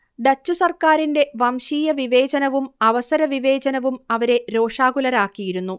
Dutch സർക്കാരിന്റെ വംശീയവിവേചനംവും അവസരവിവേചനവും അവരെ രോഷാകുലരാക്കിയിരുന്നു